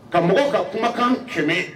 Ka mɔgɔw ka kumakan kɛmɛ